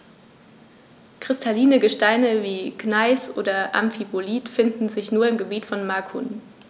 Kristalline Gesteine wie Gneis oder Amphibolit finden sich nur im Gebiet von Macun.